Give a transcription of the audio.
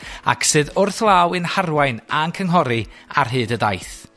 ac sydd wrthlaw in harwain a'n cynghori ar hyd y daith.